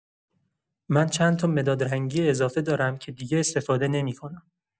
من چند تا مدادرنگی اضافه دارم که دیگه استفاده نمی‌کنم.